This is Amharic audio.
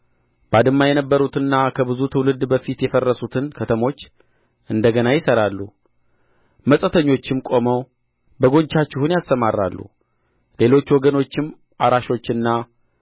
ባድማ የነበሩትንና ከብዙ ትውልድ በፊት የፈረሱትን ከተሞች እንደ ገና ይሠራሉ መጻተኞችም ቆመው በጎቻችሁን ያሰማራሉ ሌሎች ወገኖችም አራሾችና